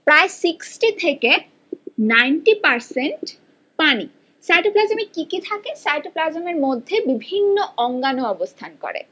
প্রায় সিক্সটি থেকে ninety percent পানি সাইটোপ্লাজমে কি কি থাকে সাইটোপ্লাজমের মধ্যে বিভিন্ন অঙ্গানু অবস্থান করে